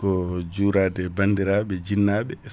ko juurade bandiraaɓe e jiinaɓe